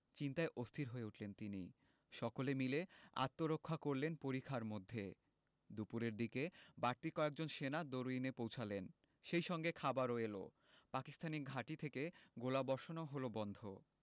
চিন্তায় অস্থির হয়ে উঠলেন তিনি সকলে মিলে আত্মরক্ষা করলেন পরিখার মধ্যে দুপুরের দিকে বাড়তি কয়েকজন সেনা দরুইনে পৌঁছালেন সেই সঙ্গে খাবারও এলো পাকিস্তানি ঘাঁটি থেকে গোলাবর্ষণও হলো বন্ধ